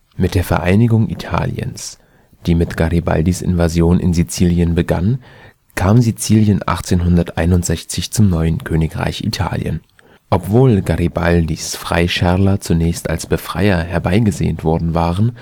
Mit der Vereinigung Italiens, die mit Garibaldis Invasion in Sizilien begann, kam Sizilien 1861 zum neuen Königreich Italien. Obwohl Garibaldis Freischärler zunächst als Befreier herbeigesehnt worden waren